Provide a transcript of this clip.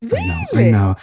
Rili!?...I know, I know.